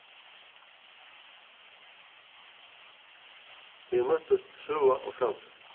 her møttust søga og framtíð